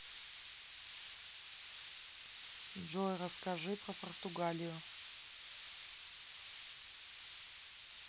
джой расскажи про португалию